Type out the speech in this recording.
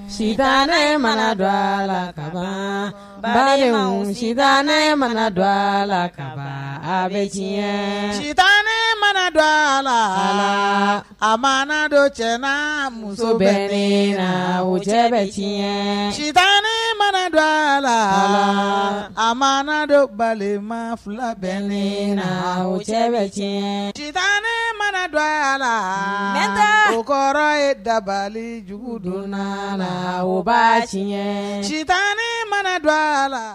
Si ne mana dɔ a la ka bali si ne mana dɔ a la ka bɛ sita ne mana dɔgɔ a la a ma dɔ cɛ muso bɛ ne la wo cɛ bɛ sita ne mana dɔgɔ a la a ma dɔ balima fila bɛ ne na wo cɛ bɛ tiɲɛ cita ne mana dɔgɔ a la n taara kɔrɔ ye dabali jugu donna na la o ba sita ne mana don a la